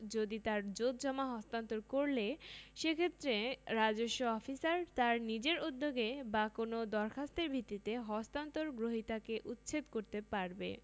যদি তার জোতজমা হস্তান্তর করলে সেক্ষেত্রে রাজস্ব অফিসার তার নিজের উদ্যোগে বা কোনও দরখাস্তের ভিত্তিতে হস্তান্তর গ্রহীতাকে উচ্ছেদ করতে পারবে